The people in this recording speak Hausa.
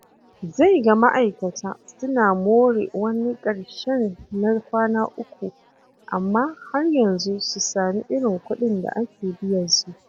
Zai ga ma'aikata suna more wani ƙarshen na kwana uku - amma har yanzu su sami irin kuɗin da ake biyansu.